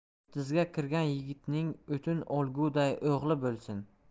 o'ttizga kirgan yigitning o'tin olguday o'g'li bo'lsin